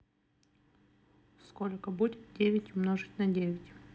сколько будет девять умножить на девять